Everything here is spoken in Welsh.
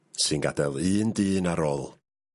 Sy'n gadel un dyn ar ôl.